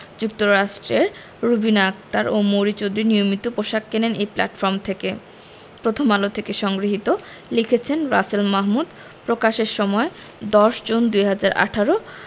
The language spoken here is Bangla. যুক্তরাষ্ট্রের রুবিনা আক্তার ও মৌরি চৌধুরী নিয়মিত পোশাক কেনেন এই প্ল্যাটফর্ম থেকে প্রথমআলো হতে সংগৃহীত লিখেছেন রাসেল মাহ্ মুদ প্রকাশের সময় ১০ জুন ২০১৮